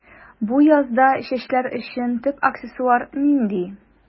Бу язда чәчләр өчен төп аксессуар нинди?